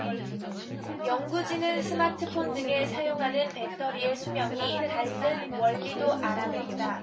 연구진은 스마트폰 등에 사용하는 배터리의 수명이 닳는 원리도 알아냈다